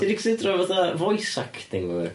Ti 'di cysidro fatha voica acting work...